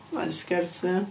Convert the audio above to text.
Na jyst sgert ydyn nhw.